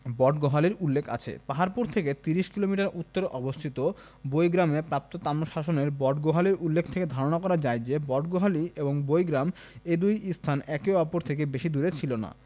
বটগোহালীর উল্লেখ আছে পাহাড়পুর থেকে ৩০ কিলোমিটার উত্তরে অবস্থিত বৈগ্রামে প্রাপ্ত তাম্রশাসনে বটগোহালীর উল্লেখ থেকে ধারণা করা যায় বটগোহালী এবং বৈগ্রাম এ দুটি স্থান একে অপর থেকে বেশিদূরে ছিল না